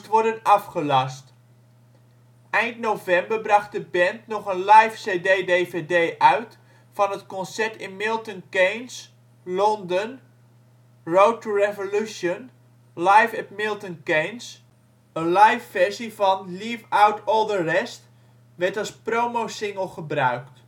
worden afgelast. Eind november bracht de band nog een live CD/DVD uit van het concert in Milton Keynes, Londen: Road to Revolution: Live at Milton Keynes. Een live versie van " Leave Out All the Rest " werd als promosingle gebruikt